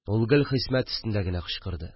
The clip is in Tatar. Ул гел Хисмәт өстендә генә кычкырды